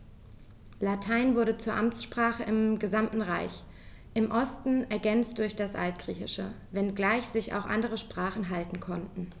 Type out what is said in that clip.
Latein wurde zur Amtssprache im gesamten Reich (im Osten ergänzt durch das Altgriechische), wenngleich sich auch andere Sprachen halten konnten.